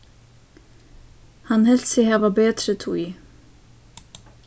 hann helt seg hava betri tíð